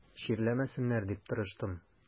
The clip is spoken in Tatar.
Чирләмәсеннәр дип тырыштым.